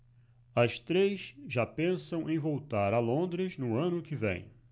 as três já pensam em voltar a londres no ano que vem